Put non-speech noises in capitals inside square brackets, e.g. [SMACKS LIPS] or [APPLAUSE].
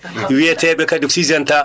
[SMACKS LIPS] wiyatee ɓe kadi sygenta